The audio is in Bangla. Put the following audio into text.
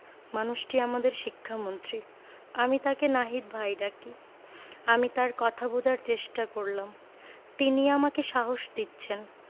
মানুষটি আমাদের শিক্ষামন্ত্রী আমি তাকে নাহিদ ভাই ডাকি আমি তার কথা বোঝার চেষ্টা করলাম তিনি আমাকে সাহস দিচ্ছেন